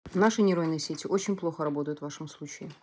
наши нейронные сети очень плохо работают в вашем случае